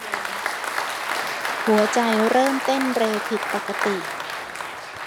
หัวใจเริ่มเต้นเร็วผิดปกติ